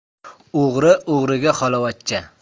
o'g'ri o'g'riga xolavachcha